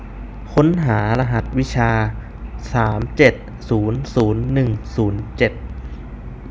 ค้นหารหัสวิชาสามเจ็ดศูนย์ศูนย์หนึ่งศูนย์เจ็ด